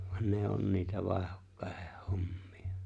vaan ne on niitä vaihdokkaiden hommia